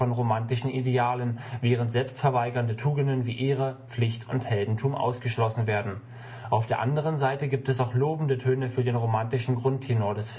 romantischen Idealen während selbstverweigernde Tugenden wie Ehre, Pflicht und Heldentum ausgeschlossen werden. “Auf der anderen Seite gibt es auch lobende Töne für den romantischen Grundtenor des